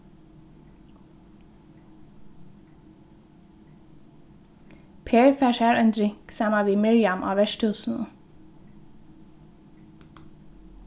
per fær sær ein drink saman við mirjam á vertshúsinum